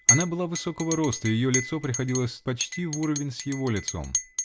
Она была высокого роста -- ее лицо приходилось почти в уровень с его лицом.